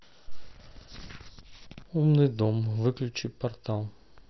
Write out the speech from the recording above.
умный дом выключи портал